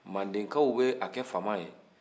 mandenkaw b'a kɛ fama ye